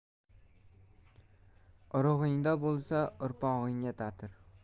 urug'ingda bo'lsa urpog'ingga tatir